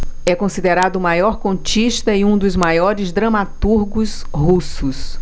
é considerado o maior contista e um dos maiores dramaturgos russos